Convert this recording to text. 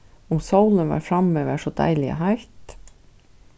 um sólin var frammi var so deiliga heitt